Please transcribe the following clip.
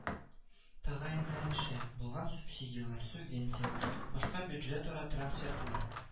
Тәгаенләнеше булган субсидияләр, субвенцияләр, башка бюджетара трансфертлар